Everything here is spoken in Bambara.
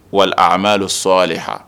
Wal aamalou solihaW